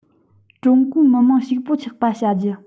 ཀྲུང གོའི མི དམངས ཕྱུག པོ ཆགས པ བྱ རྒྱུ